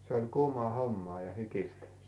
se oli kuumaa hommaa ja hikistä